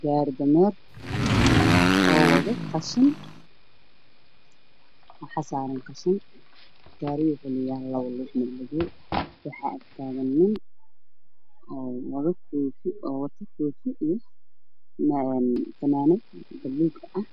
Gaari dameer oo wado qadhin waxaa saaran qashin fanaand guduud ah